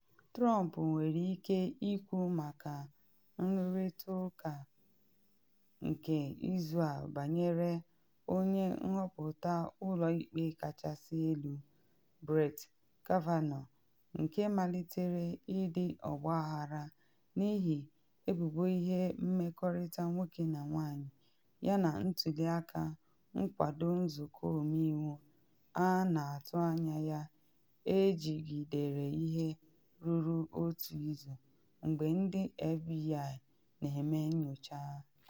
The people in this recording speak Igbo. Trump nwere ike ikwu maka nnụrịta ụka nke izu a banyere onye nhọpụta Ụlọ Ikpe Kachasị Elu Brett Kavanaugh, nke malitere ịdị ọgbaghara n’ihi ebubo ihe mmekọrịta nwoke na nwanyị yana ntuli aka nkwado Nzụkọ Ọmeiwu a na-atụ anya ya ejigidere ihe ruru otu izu mgbe ndị FBI na-eme nyocha.